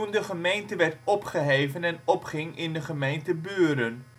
de gemeente werd opgeheven en opging in de gemeente Buren